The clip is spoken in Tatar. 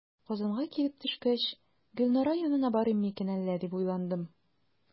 Казанга килеп төшкәч, "Гөлнара янына барыйм микән әллә?", дип уйландым.